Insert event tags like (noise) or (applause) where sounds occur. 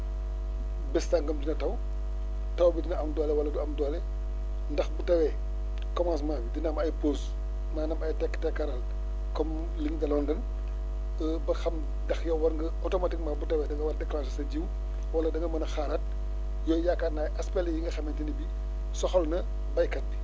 bés sangam dina taw taw bi dina am doole wala du am doole ndax bu tawee commencement bi dina am ay pauses maanaam ay tekk-tekkaaral comme li ñu daloon ren (hesitation) ba xam ndax yow war nga automatiquement bu tawee da nga war a déclencher sa jiw wala da nga mën a xaaraat yooyu yaakaar naa aspect la yi nga xamante ne bii soxal na béykat bi